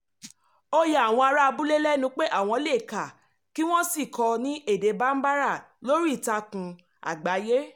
Ó ya àwọn ará abúlé lẹ́nu pé àwọn lè kà kí wọ́n sì kọ ní èdè Bambara lórí Ìtakùn àgbáyé!